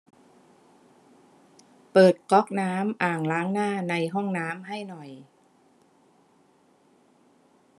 เปิดก๊อกน้ำอ่างล้างหน้าในห้องน้ำให้หน่อย